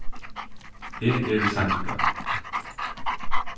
eg eri seinkað